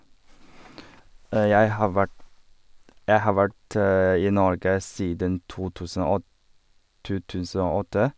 jeg har vært Jeg har vært i Norge siden to tusen og to tusen og åtte.